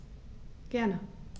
Gerne.